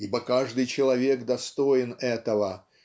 Ибо каждый человек достоин этого